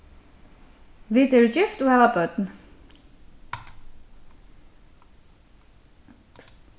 vit eru gift og hava børn